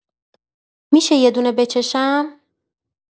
می‌شه یه دونه بچشم؟